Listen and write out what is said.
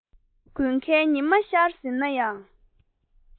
དགུན ཁའི ཉི མ ཤར ཟིན ནའང